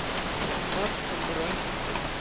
бабка бронь